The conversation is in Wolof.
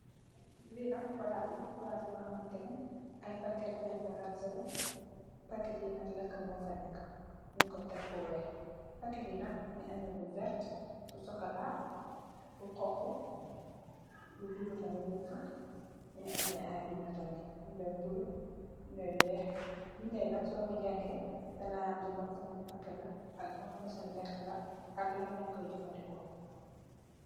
Li nak palas la, palas bu xamanteneh bagass lañ fa rangseleh, packet yi nak lekka mufa nekka nyung ku tek fu weex. Packet yi nak mungi am lu vert, lu sokolah, lu xonxo, lu bulo tam mungfa. Mungi am tamit ay binda yu bulo, binda yu weex. Binda yi nak suko jangee dangai xam biban fusomi packet la ak ban fusomi leka la, ak lañ lañkoy jefandikoo.